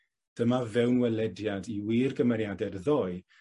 dyma fewnwelediad i wir gymeriaded y ddou